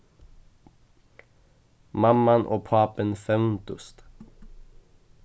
mamman og pápin fevndust